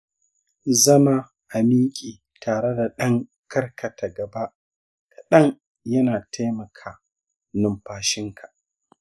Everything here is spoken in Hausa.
zama a miƙe tare da ɗan karkata gaba kaɗan yana taimaka numfashinka.